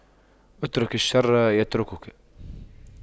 اترك الشر يتركك